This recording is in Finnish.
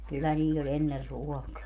kyllä niillä oli ennen ruokaa